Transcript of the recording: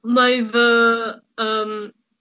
mae fy yym,